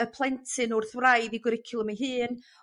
y plentyn wrth wraidd i gwricwlwm ei hun.